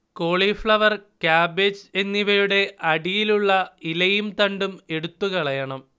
cauliflower, cabbage എന്നിവയുടെ അടിയിലുള്ള ഇലയും തണ്ടും എടുത്തുകളയണം